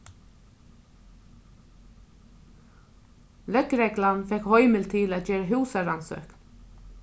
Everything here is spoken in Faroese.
løgreglan fekk heimild til at gera húsarannsókn